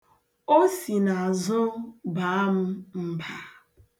Ọ na-aba ụmụagbọghọọbịa mba.